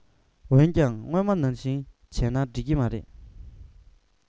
འོན ཀྱང སྔོན མ ནང བཞིན བྱས ན འགྲིག གི མ རེད